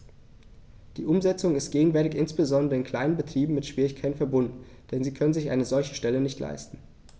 Die Umsetzung ist gegenwärtig insbesondere in kleinen Betrieben mit Schwierigkeiten verbunden, denn sie können sich eine solche Stelle nicht leisten.